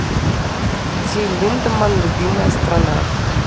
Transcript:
till lindemann любимая страна